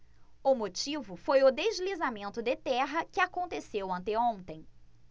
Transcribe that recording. o motivo foi o deslizamento de terra que aconteceu anteontem